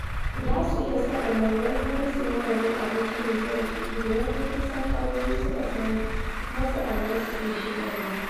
Za su iya sa’an nan ‘ganin’ wani sinadarin abinci mai gina jiki da yawancin sankarori suka sani kuma sa’an nan su sake shigarwa